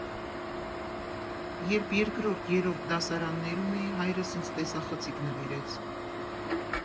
Երբ երկրորդ֊երրորդ դասարաններում էի, հայրս ինձ տեսախցիկ նվիրեց։